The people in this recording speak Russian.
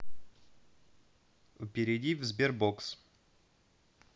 перейди в sberbox